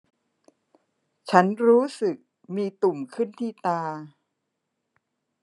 ฉันรู้สึกมีตุ่มขึ้นที่ตา